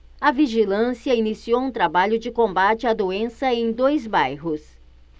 a vigilância iniciou um trabalho de combate à doença em dois bairros